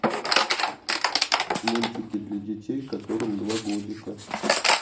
мультики для детей которым два годика